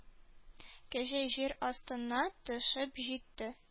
Кәҗә җир астына төшеп җитте